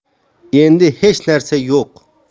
endi hech narsa yo'q